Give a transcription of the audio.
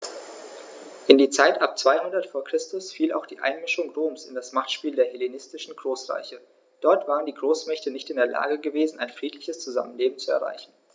In die Zeit ab 200 v. Chr. fiel auch die Einmischung Roms in das Machtspiel der hellenistischen Großreiche: Dort waren die Großmächte nicht in der Lage gewesen, ein friedliches Zusammenleben zu erreichen.